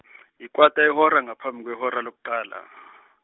yikwota yehora ngaphambi kwehora lokuqala.